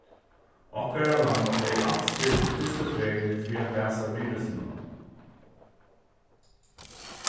okkara land legði alt stilt fyrstu ferð fyri at basa virusinum